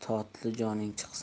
totli joning chiqsin